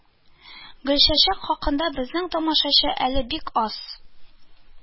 Гөлчәчәк хакында безнең тамашачы әлегә бик аз